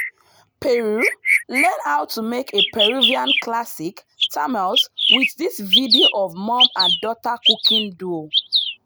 Peru – Learn how to make a Peruvian classic, tamales, with this video of mom and daughter cooking duo.